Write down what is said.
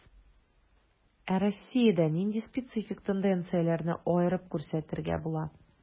Ә Россиядә нинди специфик тенденцияләрне аерып күрсәтергә була?